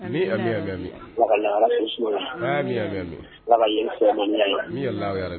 Ni